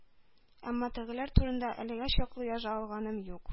Әмма тегеләр турында әлегә чаклы яза алганым юк.